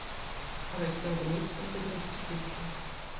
Aber ich glaube nicht, dass der Bericht zu spät kommt.